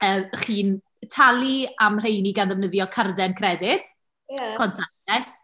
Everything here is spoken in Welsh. Yy, chi'n talu am rheini gan ddefnyddio carden credyd... ie. ...contactless.